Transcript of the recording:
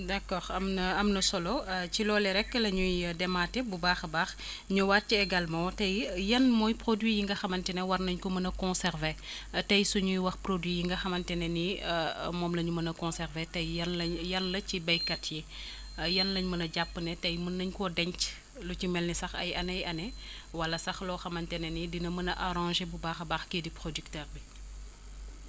d' accord am na am na solo ci loolee rek ci la ñuy demaatee bu baax a baax ñëwaat ci également tey yan mooy produit yi nga xamante ne war nañu ko mën a conserver tey suñuy wax produit yi nga xamante ne ni moom la ñu mën a conserver tey yan lañ yan la ci béykat yi yan la ñu mën a jàpp ne tey mën nañ ko denc lu ci mel ni sax ay années années wala sax loo xamante ne ni dina mën a engrager bu baax a baax kii di producteur bi